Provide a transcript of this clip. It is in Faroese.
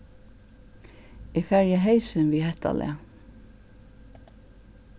eg fari á heysin við hetta lag